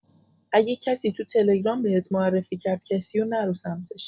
اگ کسی تو تلگرام بهت معرفی کرد کسیو نرو سمتش